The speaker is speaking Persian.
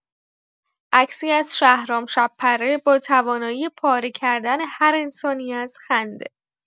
عکسی از شهرام شب‌پره با توانایی پاره‌کردن هر انسانی از خنده!